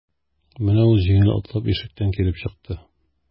Менә ул җиңел атлап ишектән килеп чыкты.